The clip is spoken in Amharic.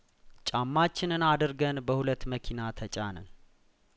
ጫማችንን አድርገን በሁለት መኪና ተጫንን